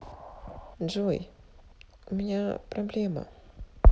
джой у меня проблема